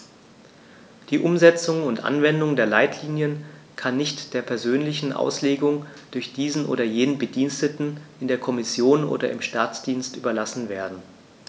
Die Umsetzung und Anwendung der Leitlinien kann nicht der persönlichen Auslegung durch diesen oder jenen Bediensteten in der Kommission oder im Staatsdienst überlassen werden.